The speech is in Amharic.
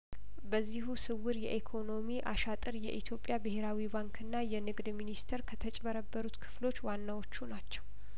በዚሁ ስውር የኢኮኖሚ አሻጥር የኢትዮጵያ ብሄራዊ ባንክና የንግድ ሚኒስተር ከተጭበረበሩት ክፍሎች ዋናዎቹ ናቸው